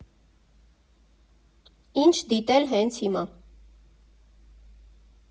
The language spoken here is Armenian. Ինչ դիտել հենց հիմա.